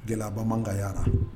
Gɛlɛyabakanya la